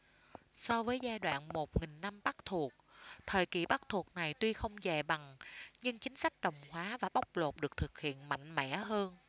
so với giai đoạn một nghìn năm bắc thuộc thời kỳ bắc thuộc này tuy không dài bằng nhưng chính sách đồng hóa và bóc lột được thực hiện mạnh mẽ hơn